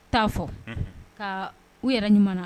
Taa fɔ ka u yɛrɛ ɲuman